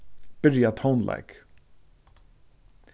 byrja tónleik